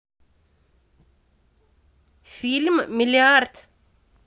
фильм миллиард